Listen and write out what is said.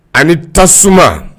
A ni tasuma